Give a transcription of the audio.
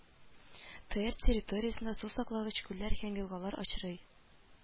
Тээр территориясендә сусаклагыч, күлләр һәм елгаларда очрый